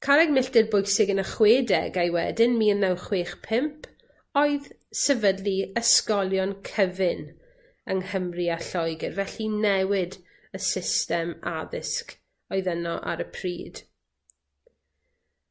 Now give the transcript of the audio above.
Carreg milltir bwysig yn y chwedegau wedyn, mil naw chwech pump, oedd sefydlu ysgolion cyfun yng Nghymru a Lloegyr, felly newid y system addysg oedd yno ar y pryd.